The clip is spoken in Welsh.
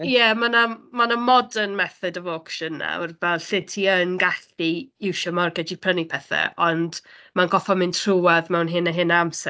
Ie, ma' 'na ma' 'na modern method of auction nawr, fel lle ti yn gallu iwsio mortgage i prynu pethe, ond mae'n gorfod mynd trwyadd mewn hyn a hyn o amser.